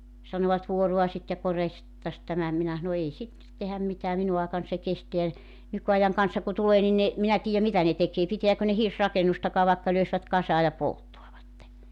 sanoivat vuoraisit ja korjaisit - tämän minä sanoin ei sitten tehdä mitään minun aikana se kestää nykyajan kansa kun tulee niin ne minä tiedä mitä ne tekee pitääkö ne hirsirakennustakaan vaikka löisivät kasaan ja polttavat